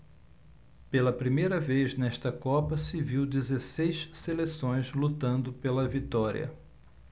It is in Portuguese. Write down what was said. pela primeira vez nesta copa se viu dezesseis seleções lutando pela vitória